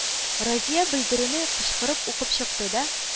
Разия белдерүне кычкырып укып чыкты да: